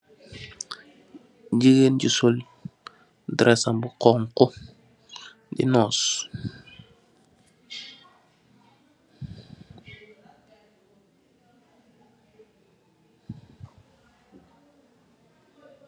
Jigain ju sol, dressam bu khonkhu, di noos.